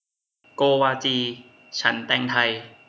โกวาจีฉันแตงไทย